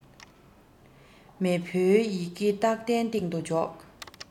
མི ཕོའི ཡི གེ སྟག གདན སྟེང དུ འཇོག